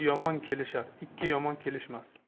yomon kelishar ikki yomon kelishmas